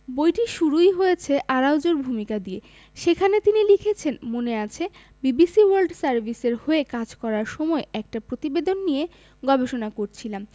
বইটি শুরুই হয়েছে আরাউজোর ভূমিকা দিয়ে সেখানে তিনি লিখেছেন মনে আছে বিবিসি ওয়ার্ল্ড সার্ভিসের হয়ে কাজ করার সময় একটা প্রতিবেদন নিয়ে গবেষণা করছিলাম